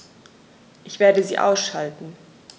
Ich werde sie ausschalten